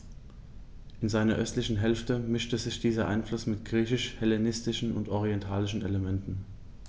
In seiner östlichen Hälfte mischte sich dieser Einfluss mit griechisch-hellenistischen und orientalischen Elementen.